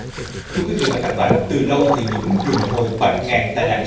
thưa quý vị và các bạn từ lâu thì những rừng hồi bạt ngàn tại lạng